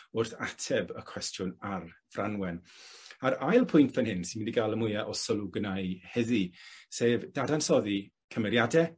wrth ateb y cwestiwn ar Franwen. A'r ail pwynt fan hyn sy mynd i gal y mwya o sylw gynna' i heddi sef dadansoddi cymeriade